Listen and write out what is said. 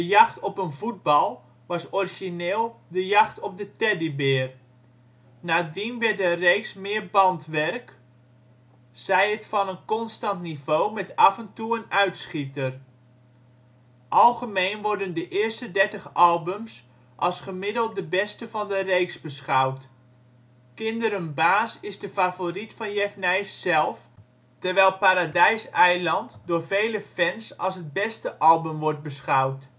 jacht op een voetbal was origineel De jacht op de teddybeer). Nadien werd de reeks meer bandwerk, zij het van een constant niveau met af en toe een uitschieter. Algemeen worden de eerste dertig albums als gemiddeld de beste van de reeks beschouwd. Kinderen baas is de favoriet van Jef Nys zelf, terwijl Paradijseiland door vele fans als het beste album wordt beschouwd